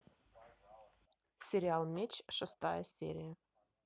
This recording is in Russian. сериал меч шестая серия